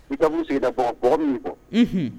I ka mun bɔ mɔgɔ min kɔ